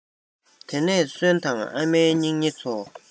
དེ ནས གསོན དང ཨ མའི སྙིང ཉེ ཚོ